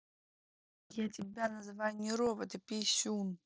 я тебя называю не робот а писюн